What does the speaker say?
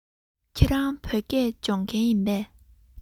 ཁྱེད རང བོད སྐད སྦྱོང མཁན ཡིན པས